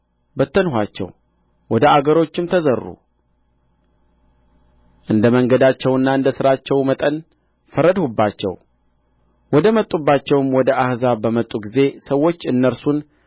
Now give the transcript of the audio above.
በተንኋቸው ወደ አገሮችም ተዘሩ እንደ መንገዳቸውና እንደ ሥራቸው መጠን ፈረድሁባቸው ወደ መጡባቸውም ወደ አሕዛብ በመጡ ጊዜ ሰዎች እነርሱን